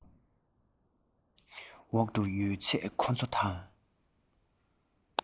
འོག ཏུ ཡོད ཚད ཁོ ཚོ དང